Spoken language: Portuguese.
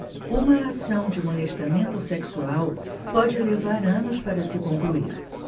uma ação de molestamento sexual pode levar anos para se concluir